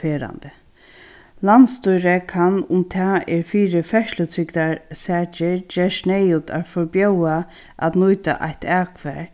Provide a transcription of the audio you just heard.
ferðandi landsstýrið kann um tað er fyri ferðslutrygdar sakir gerst neyðugt at forbjóða at nýta eitt akfar